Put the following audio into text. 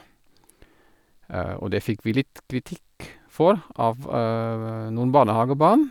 Og det fikk vi litt kritikk for av noen barnehagebarn.